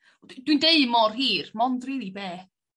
Dw- dwi'n deud mor hir 'mond rili be'?